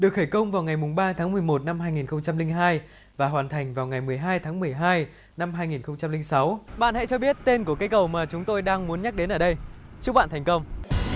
được khởi công vào ngày mùng ba tháng mười một năm hai nghìn không trăm linh hai và hoàn thành vào ngày mười hai tháng mười hai năm hai nghìn không trăm linh sáu bạn hãy cho biết tên của cây cầu mà chúng tôi đang muốn nhắc đến ở đây chúc bạn thành công